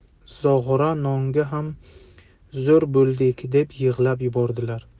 zog'ora nonga ham zor bo'ldik deb yig'lab yubordilar